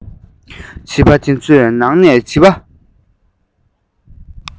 བྱིས པ དེ ཚོའི ནང ནས བྱིས པ